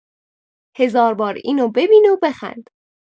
هزار بار اینو ببین و بخند.